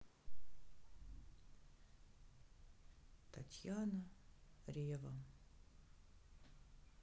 татьяна рева